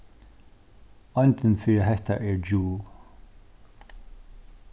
eindin fyri hetta er joule